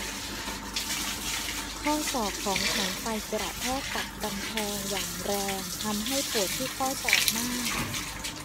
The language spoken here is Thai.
ข้อศอกของฉันไปกระแทกกับกำแพงอย่างแรงทำให้ปวดที่ข้อศอกมาก